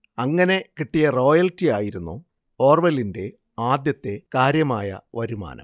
അങ്ങനെ കിട്ടിയ റോയൽറ്റി ആയിരുന്നു ഓർവെലിന്റെ ആദ്യത്തെ കാര്യമായ വരുമാനം